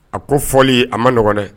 A ko fɔ a ma nɔgɔ dɛ